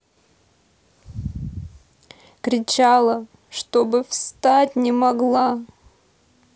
кричала чтобы встать не могла